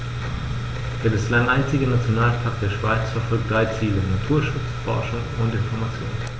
Der bislang einzige Nationalpark der Schweiz verfolgt drei Ziele: Naturschutz, Forschung und Information.